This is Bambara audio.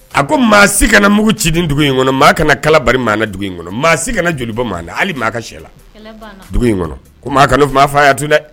A ko maasi kana mugu ciden dugu in kɔnɔ maa kana kalabali maa dugu in kɔnɔ maa si kana joli maa na hali maa ka la in kɔnɔ maa kana f fa a y'a tun dɛ